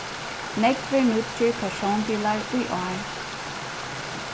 nógvir nýggir persónbilar í ár